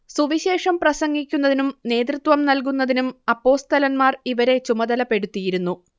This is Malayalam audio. സുവിശേഷം പ്രസംഗിക്കുന്നതിനും നേതൃത്വം നല്കുന്നതിനും അപ്പോസ്തലൻമാർ ഇവരെ ചുമതലപ്പെടുത്തിയിരുന്നു